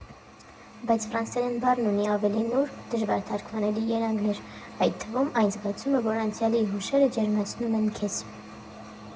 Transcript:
Բայց ֆրանսերեն բառն ունի ավելի նուրբ, դժվար թարգմանելի երանգներ, այդ թվում՝ այն զգացումը, երբ անցյալի հուշերը ջերմացնում են քեզ։